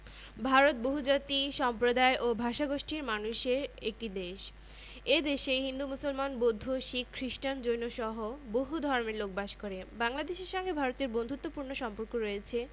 বহুজাতি ও সম্প্রদায়ের বাস এ দেশটিতে চীনের জনসংখ্যা শতকরা ৯৫ ভাগ চাইনিজ বংশোদূত এছারাও রয়েছে আরও ৫৬ টি জাতির বাস যার মধ্যে উল্লেখযোগ্য হলো জুয়াং